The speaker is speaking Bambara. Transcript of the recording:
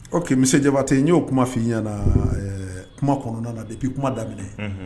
Ɔ que misi jabatɛ n y'o kuma f ii ɲɛna kuma kɔnɔna na de bi kuma daminɛ